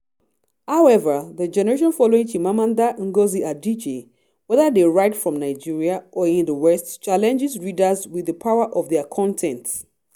However, the generation following Chimamanda Ngozi Adichie, whether they write from Nigeria or in the West, challenges readers with the power of their content.